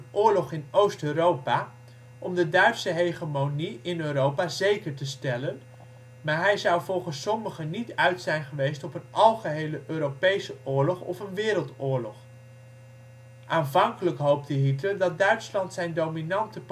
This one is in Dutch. oorlog in Oost-Europa om de Duitse hegemonie in Europa zeker te stellen, maar hij zou volgens sommigen niet uit zijn geweest op een algehele Europese oorlog of een wereldoorlog. Aanvankelijk hoopte Hitler dat Duitsland zijn dominante